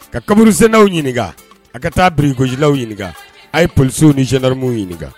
Ka kaburusenlaw ɲininka a ka taa birikosilaw ɲininka a' ye polisiww ni zɛninaremuw ɲininka